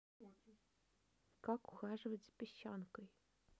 как ухаживать за песчанкой